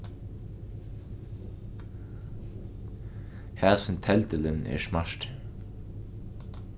hasin teldilin er smartur